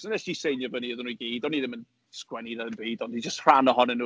So wnes i seinio fyny iddyn nhw i gyd. O'n i ddim yn sgwennu na ddim byd, o'n i jyst rhan ohonyn nhw.